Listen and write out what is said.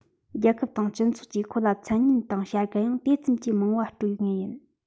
རྒྱལ ཁབ དང སྤྱི ཚོགས ཀྱིས ཁོ ལ མཚན སྙན དང བྱ དགའ ཡང དེ ཙམ གྱིས མང བ སྤྲོད ངེས ཡིན